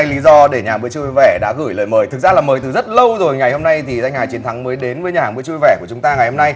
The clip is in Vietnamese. lý do để nhà hàng bữa trưa vui vẻ đã gửi lời mời thực ra là mời từ rất lâu rồi ngày hôm nay thì danh hài chiến thắng mới đến với nhà hàng bữa trưa vui vẻ của chúng ta ngày hôm nay